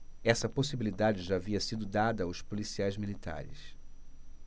essa possibilidade já havia sido dada aos policiais militares